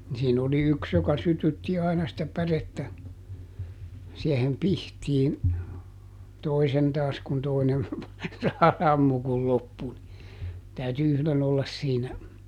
niin siinä oli yksi joka sytytti aina sitä pärettä siihen pihtiin toisen taas kun toinen sammu kun loppui niin täytyi yhden olla siinä